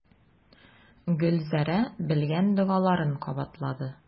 Гөлзәрә белгән догаларын кабатлады.